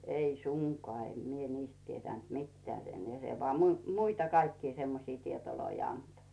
ei suinkaan en minä niistä tiennyt mitään sen ja se vain - muita kaikkia semmoisia tietoja antoi